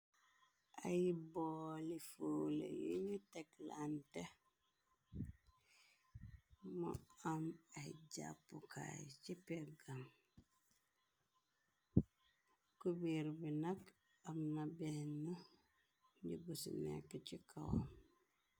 Ay booli foole yunu teglanté, mu am ay jàppukaay ci peggam , kubér bi nak am na benna njubbusi nekk ci kawam.